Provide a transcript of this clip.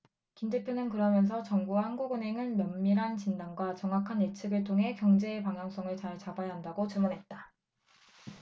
김 대표는 그러면서 정부와 한국은행은 면밀한 진단과 정확한 예측을 통해 경제의 방향성을 잘 잡아야 한다고 주문했다